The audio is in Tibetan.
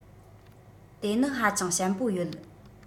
དེ ནི ཧ ཅང ཞན པོ ཡོད